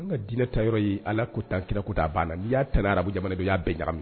An ka diinɛ ta yɔrɔ ye ala ko tan kira kota banna la n'i'a taara arabu jamana i'a bɛɛja